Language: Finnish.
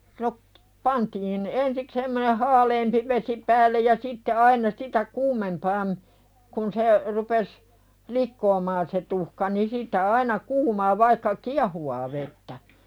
no pantiin ensi semmoinen haaleampi vesi päälle ja sitten aina sitä kuumempaan kun se rupesi likoamaan se tuhka niin sitten aina kuumaa vaikka kiehuvaa vettä